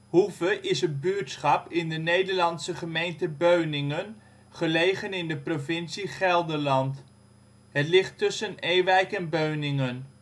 Hoeve is een buurtschap in de Nederlandse gemeente Beuningen, gelegen in de provincie Gelderland. Het ligt tussen Ewijk en Beuningen